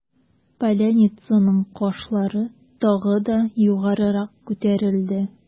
Поляницаның кашлары тагы да югарырак күтәрелде.